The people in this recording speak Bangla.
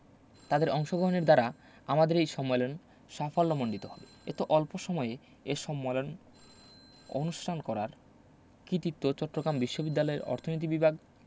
তাদের অংশগহণের দ্বারা আমাদের এ সম্মেলন সাফল্যমণ্ডিত হবে এত অল্প সময়ে এ সম্মলন অনুষ্ঠান করার কিতিত্ব চট্টগাম বিশ্ববিদ্যালয়ের অর্থনীতি বিভাগ